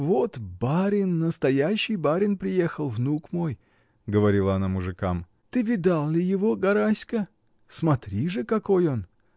Вот барин, настоящий барин приехал, внук мой! — говорила она мужикам. — Ты видал ли его, Гараська? Смотри же, какой он!